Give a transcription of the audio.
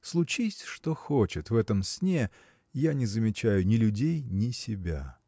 случись что хочет в этом сне – я не замечаю ни людей, ни себя.